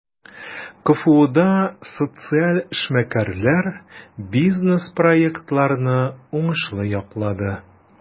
КФУда социаль эшмәкәрләр бизнес-проектларны уңышлы яклады.